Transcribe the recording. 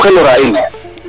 oxey lora in